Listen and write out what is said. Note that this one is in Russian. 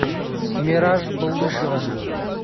мираж болдышева